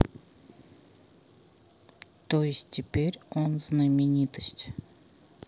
то есть теперь он знаменитость